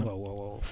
waaw waaw waaw